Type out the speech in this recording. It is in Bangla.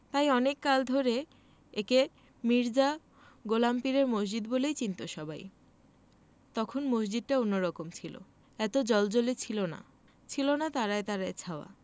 তাই অনেক কাল ধরে একে মির্জা গোলাম পীরের মসজিদ বলেই চিনতো সবাই তখন মসজিদটা অন্যরকম ছিল এত জ্বলজ্বলে ছিল না ছিলনা তারায় তারায় ছাওয়া